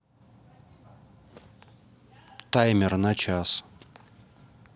таймер на час